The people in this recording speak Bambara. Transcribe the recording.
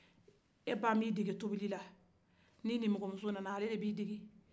e ba ma e dege tobilila ni i nimɔgɔmuso nana ale de bɛ e dege